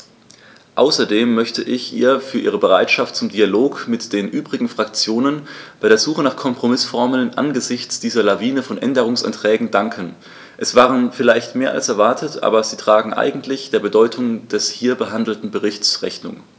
Außerdem möchte ich ihr für ihre Bereitschaft zum Dialog mit den übrigen Fraktionen bei der Suche nach Kompromißformeln angesichts dieser Lawine von Änderungsanträgen danken; es waren vielleicht mehr als erwartet, aber sie tragen eigentlich der Bedeutung des hier behandelten Berichts Rechnung.